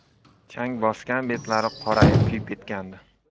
chang bosgan betlari qorayib kuyib ketgandi